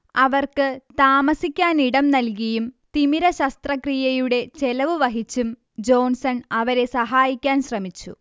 അവർക്ക് താമസിക്കാനിടം നൽകിയും തിമിരശസ്ത്രക്രിയയുടെ ചെലവ് വഹിച്ചും ജോൺസൺ അവരെ സഹായിക്കാൻ ശ്രമിച്ചു